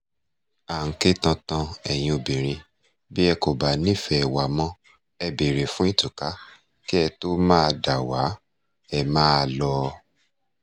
À ń ké tantan, ẹ̀yin obìnrin bí ẹ kò bá nífẹ̀ẹ́ wa mọ́, ẹ béèrè fún ìtúká kí ẹ tó máa dà wa, ẹ máa lọ.